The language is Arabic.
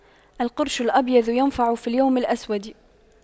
القرش الأبيض ينفع في اليوم الأسود